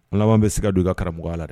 An laban bɛ siga don i ka karamɔgɔ ya la dɛ.